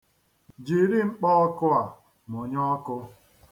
Jiri mkpọọkụ a mụnye ọkụ.